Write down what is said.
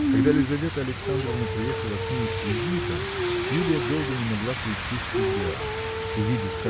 Когда Лизавета Александровна приехала к ней с визитом Юлия долго не могла прийти в себя увидев